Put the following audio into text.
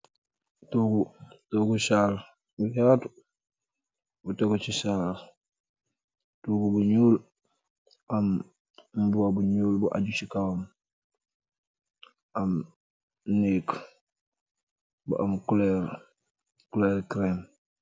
Tohgu, tohgu saal bu yaatu, bu tehgu chi saaal, tohgu bu njull amm mbuba bu njull bu aahju ci kawam, am negg bu am couleur, couleur creame.